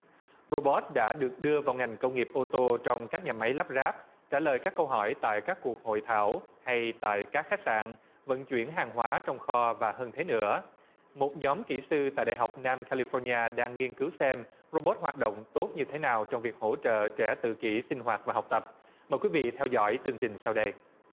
rô bốt đã được đưa vào ngành công nghiệp ô tô trong các nhà máy lắp ráp trả lời các câu hỏi tại các cuộc hội thảo hay tại các khách sạn vận chuyển hàng hóa trong kho và hơn thế nữa một nhóm kỹ sư tại đại học nam ca li phóc nha đang nghiên cứu xem rô bốt hoạt động tốt như thế nào trong việc hỗ trợ trẻ tự kỷ sinh hoạt và học tập mời quý vị theo dõi tường trình sau đây